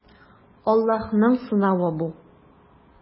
Аллаһның сынавы бу.